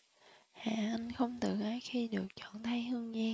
hà anh không tự ái khi được chọn thay hương giang